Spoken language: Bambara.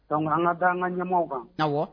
Donc an ŋa da an ŋa ɲɛmɔɔw kan awɔ